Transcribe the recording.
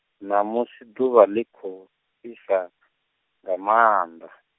ṋamusi ḓuvha ḽi khou fhisa , nga manda.